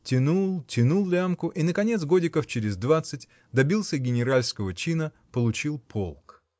тянул, тянул лямку и, наконец, годиков через двадцать добился генеральского чина, получил полк.